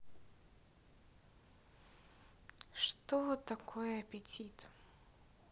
что такое аппетит